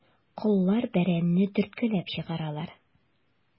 Коллар бәрәнне төрткәләп чыгаралар.